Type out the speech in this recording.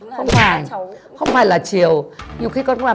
không phải không phải là chiều nhiều khi con